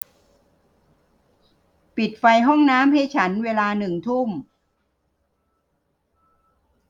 ปิดไฟห้องน้ำให้ฉันเวลาหนึ่งทุ่ม